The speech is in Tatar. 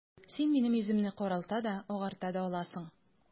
Син минем йөземне каралта да, агарта да аласың...